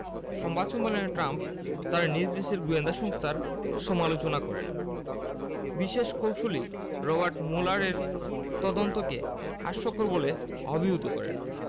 সংবাদ সম্মেলনে ট্রাম্প তাঁর নিজ দেশের গোয়েন্দা সংস্থাগুলোর সমালোচনা করেন বিশেষ কৌঁসুলি রবার্ট ম্যুলারের তদন্তকে হাস্যকর বলে অভিহিত করেন